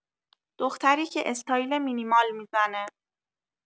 دختری که استایل مینیمال می‌زنه